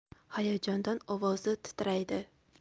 hayajondan ovozi titraydi